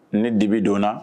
Ni dibi donna